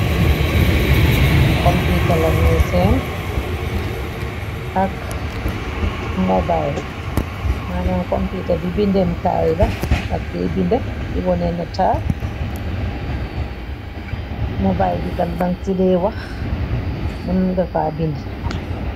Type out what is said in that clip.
Computa lañooy seen ak mobile manam computa bi, bi ndem kaay la ak dey binda, di woneh nataa. Mobile bi tam dan ci dee wax mun nga fa bindi.